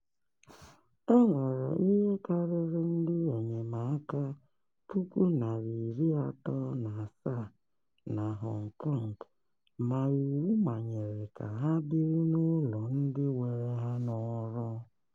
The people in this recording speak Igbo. E nwere ihe karịrị ndị enyemaka 370,000 na Hong Kong ma iwu manyere ka ha biri n'ụlọ ndị were ha n'ọrụ